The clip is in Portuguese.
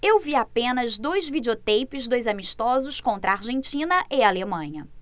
eu vi apenas dois videoteipes dos amistosos contra argentina e alemanha